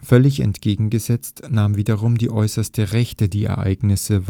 Völlig entgegengesetzt nahm wiederum die äußerste Rechte die Ereignisse